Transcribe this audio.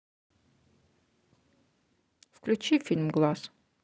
включи фильм глаз